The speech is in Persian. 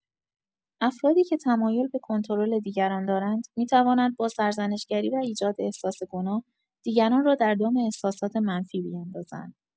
افرادی که تمایل به کنترل دیگران دارند، می‌توانند با سرزنش‌گری و ایجاد احساس گناه، دیگران را در دام احساسات منفی بیندازند.